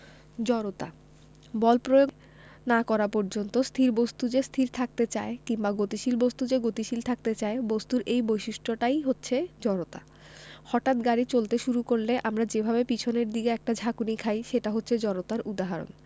জড়তা বল প্রয়োগ না করা পর্যন্ত স্থির বস্তু যে স্থির থাকতে চায় কিংবা গতিশীল বস্তু যে গতিশীল থাকতে চায় বস্তুর এই বৈশিষ্ট্যটাই হচ্ছে জড়তা হঠাৎ গাড়ি চলতে শুরু করলে আমরা যেভাবে পেছনের দিকে একটা ঝাঁকুনি খাই সেটা হচ্ছে জড়তার উদাহরণ